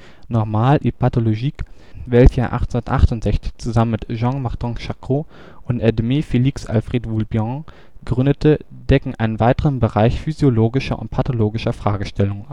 normale et pathologique, welche er 1868 zusammen mit Jean-Martin Charcot und Edmé Félix Alfred Vulpian gründete, decken einen weiten Bereich physiologischer und pathologischer Fragestellungen